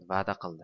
va'da qildi